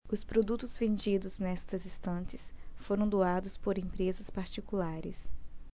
os produtos vendidos nestas estantes foram doados por empresas particulares